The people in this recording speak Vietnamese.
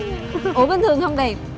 ủa bình thường không đẹp